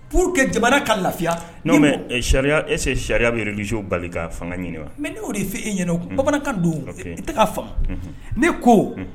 pour que jamana ka lafiya non mais est- ce que sariya bɛ yen sariya min bɛ religieux bali ka fanga ɲini wa? mais _ne y 'o de f'ɔ e ɲɛna o , de bamanankan ninnu i tɛ k'a faamu, unhun ,ne ko